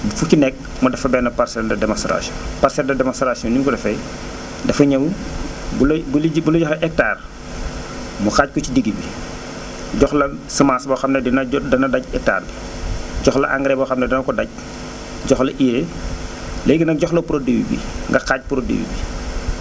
fu ci nekk mu def fa benn parcelle de démonstration parcelle de déméonstration ni mu ko defee dafa ñëw bu la bu la joxee hectare mu xaaj ko ci digg bi jox la semence boo xam ne dina jur dina daj hectare jox la engrais boo xam ne dana ko daj jox la urée léegi nag jox la produit bi nga xaaj produit bi